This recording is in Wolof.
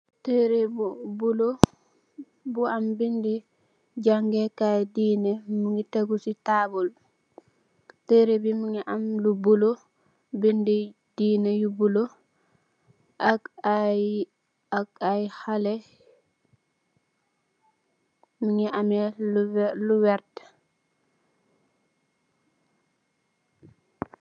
Tereh bu bulo mu am bede jagekay deene muge tegu se table tereh be muge am lu bulo bede deene yu bulo ak aye ak aye haleh nuge ameh lu werte.